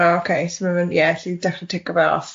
O oce so ma fe'n ie allu dechre tico fe off.